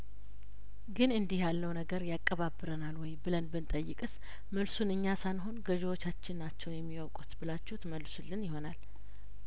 ግን እንዲህ ያለው ነገር ያቀባብረናል ወይብለንብን ጠይቅ ስመልሱን እኛ ሳንሆን ገዥዎቻችን ናቸው የሚያውቁት ብላችሁት መልሱልን ይሆናል